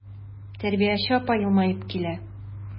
Тәрбияче апа елмаеп килә.